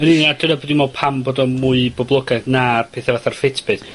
Yn unio- a dyna be' dwi me'wl pam bod o'n mwy boblogaidd na'r petha fatha'r Fitbit.